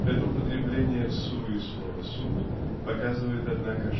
Это употребление всуе слова "суд" показывает однако